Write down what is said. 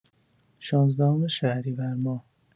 شانزدهم شهریورماه